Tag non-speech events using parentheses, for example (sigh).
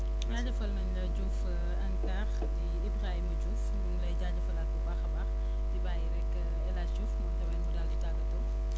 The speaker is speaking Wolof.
jaajëfal nañ la Diouf (hesitation) ANCAR (noise) di Ibrahima Diouf ñu ngi lay jaajëfal bu baax a baax (breath) ñu bàyyi rek (hesitation) El Hadj Diouf moom tamit mu daal di tàggatoo